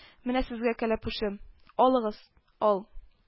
Менә сезгә кәләпүшем, алыгыз, ал